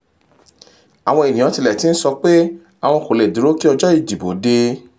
Àwọn ènìyàn tilẹ̀ ti ń sọ pé àwọn kò lè dúró kí ọjọ́ ìdìbò dé.